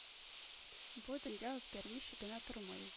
Бу дөнья үзгәрмичә генә тормый